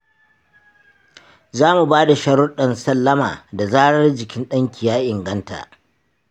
za mu ba da sharuddan sallama da zarar jikin ɗanki ya inganta.